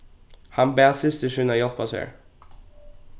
hann bað systir sína hjálpa sær